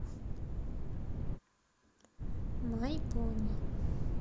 май пони